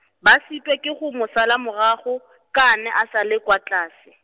ba sitwa ke go mo sala morago, ka a ne a sa le kwa tlase.